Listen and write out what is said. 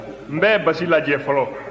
n bɛ basi lajɛ fɔlɔ